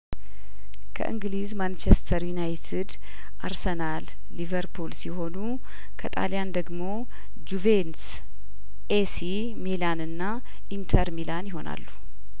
ከእንግሊዝ ማንቸስተር ዩናይትድ አርሰናል ሊቨርፑል ሲሆኑ ከጣልያን ደግሞ ጁቬንትስ ኤሲ ሚላንና ኢንተር ሚላን ይሆናሉ